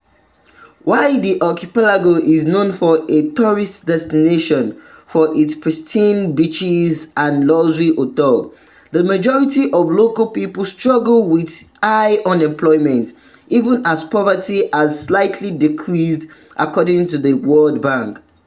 While the archipelago is known as a tourist destination for its pristine beaches and luxury hotels, the majority of local people struggle with high unemployment even as poverty has slightly decreased, according to The World Bank.